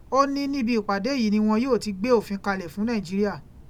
Ó ní níbi ìpàdé yìí ni wọn yóò ti gbé òfìn kalẹ̀ fún Nàìjíríà.